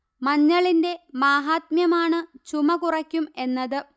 മഞ്ഞളിന്റെ മാഹാത്മ്യമാണ് ചുമ കുറയ്ക്കും എന്നത്